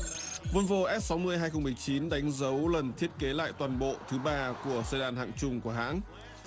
von vô s sáu mươi hai không mười chín đánh dấu lần thiết kế lại toàn bộ thứ ba của se đan hạng trung của hãng